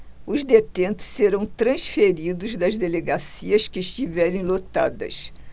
os detentos serão transferidos das delegacias que estiverem lotadas